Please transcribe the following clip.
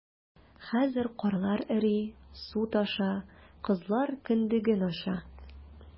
Хәзер карлар эри, су таша - кызлар кендеген ача...